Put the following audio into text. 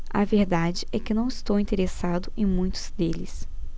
a verdade é que não estou interessado em muitos deles